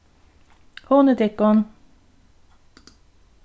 hugnið tykkum